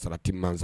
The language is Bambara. Sarati masa